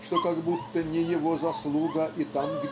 что как будто не его заслуга и там